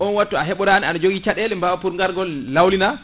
on wttu a heeɓorani aɗa jogui caɗele mbaw pour gargol lawlina